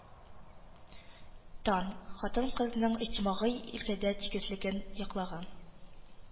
Тан, хатын-кызның иҗтимагый өлкәдә тигезлеген яклаган